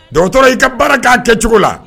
Docteur i ka baara k'a kɛcogo la